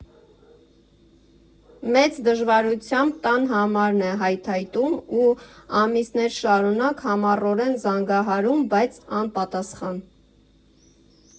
Մեծ դժվարությամբ տան համարն է հայթայթում ու ամիսներ շարունակ համառորեն զանգահարում, բայց՝ անպատասխան։